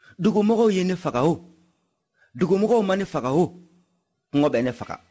dugumɔgɔ ye ne faga o dugumɔgɔ ma ne faga o kɔngɔ bɛ ne faga